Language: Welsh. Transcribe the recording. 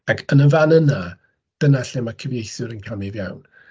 Ac yn y fan yna, dyna lle ma' cyfieithwyr yn camu fewn.